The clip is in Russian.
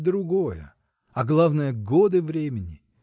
другое, а главное — годы времени!